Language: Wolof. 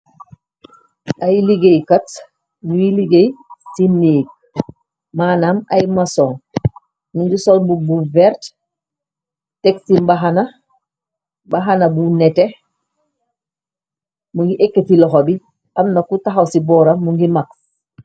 Ay liggéey kat ñuy liggéey ci niig maanam ay mason nunju sol bu bu vert teg ci baxana bu nete mu ngi ekk ti loxo bi amna ku taxaw ci boora mu ngi mag.